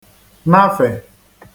nafè